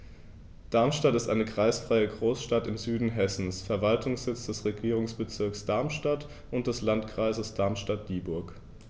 Darmstadt ist eine kreisfreie Großstadt im Süden Hessens, Verwaltungssitz des Regierungsbezirks Darmstadt und des Landkreises Darmstadt-Dieburg.